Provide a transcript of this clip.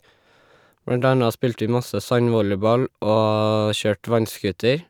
Blant anna spilte vi masse sandvolleyball og kjørte vannscooter.